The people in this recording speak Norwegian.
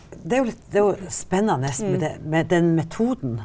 det er jo litt det er jo spennende med det med den metoden.